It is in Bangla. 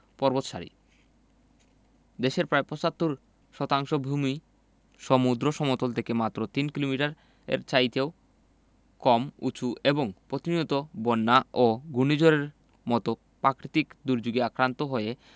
পর্বতসারি দেশের প্রায় ৭৫ শতাংশ ভূমিই সমুদ্র সমতল থেকে মাত্র তিন মিটারের চাইতেও কম উঁচু এবং প্রতিনিয়ত বন্যা ও ঘূর্ণিঝড়ের মতো প্রাকৃতিক দুর্যোগে আক্রান্ত হয়ে